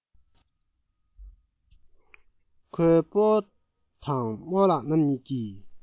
ཁོའི སྤོ དང རྨོ ལགས རྣམ གཉིས ཀྱིས